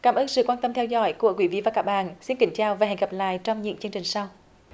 cảm ơn sự quan tâm theo dõi của quý vị và các bạn xin kính chào và hẹn gặp lại trong những chương trình sau